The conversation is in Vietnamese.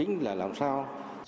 chính là làm sao